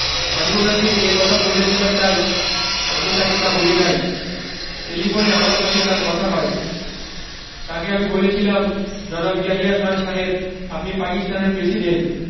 আমি উনাকে এ কথা বলে দিবার চাই আমি তাকে তা বলি নাই টেলিফোনে আমার সাথে তাঁর কথা হয় তাঁকে আমি বলেছিলাম জনাব ইয়াহিয়া খান সাহেব আপনি পাকিস্তানের প্রেসিডেন্ট